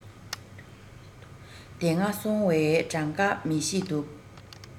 དེ སྔ སོང བའི གྲངས ཀ མི ཤེས འདུག